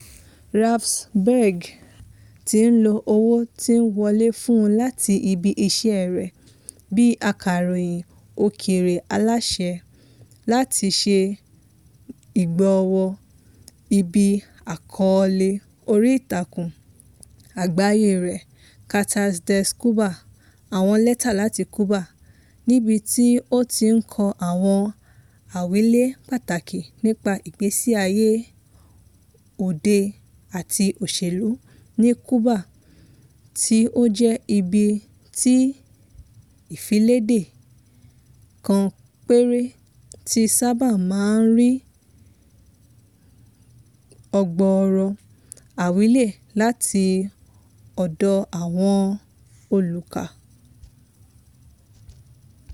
Ravsberg ti ń lo owó tí ó ń wọlé fún un láti ibi iṣẹ́ rẹ̀ gẹ́gẹ́ bíi akọ̀ròyìn òkèèrè aláṣẹ láti ṣe ìgbọ̀wọ́ ibi àkọọ́lẹ̀ oríìtakùn àgbáyé rẹ̀ "Cartas desde Cuba" (àwọn Lẹ́tà láti Cuba), níbi tí ó ti ń kọ àwọn àwílé pàtàkì nípa ìgbésí ayé òde àti òṣèlú ní Cuba, tí ó jẹ́ ibi tí ìfiléde kan péré ti sábà máa ń rí ọ̀gọ̀ọ̀rọ̀ àwílé láti ọ̀dọ̀ àwọn olùka.